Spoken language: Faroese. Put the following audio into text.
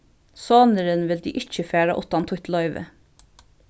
sonurin vildi ikki fara uttan títt loyvi